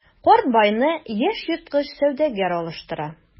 Карт байны яшь ерткыч сәүдәгәр алыштыра.